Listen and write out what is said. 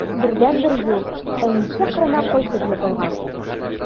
Бердәнбер юл: әнисе кырына кайтып егылган.